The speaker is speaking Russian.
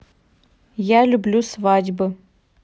я люблю свадьбы